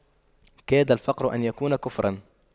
كاد الفقر أن يكون كفراً